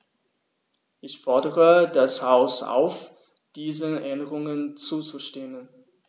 Ich fordere das Haus auf, diesen Änderungen zuzustimmen.